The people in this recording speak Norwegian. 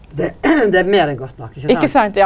det det er meir enn godt nok ikkje sant.